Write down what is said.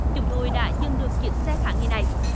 chúng tôi đã dừng được chiếc xe khả nghi này